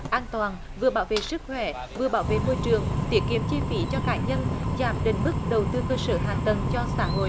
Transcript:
an toàn vừa bảo vệ sức khỏe vừa bảo vệ môi trường tiết kiệm chi phí cho cá nhân giảm định mức đầu tư cơ sở hạ tầng cho xã hội